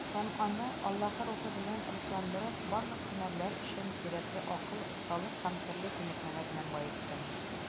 Һәм аны, Аллаһы Рухы белән рухландырып, барлык һөнәрләр өчен кирәкле акыл, осталык һәм төрле күнекмәләр белән баеттым.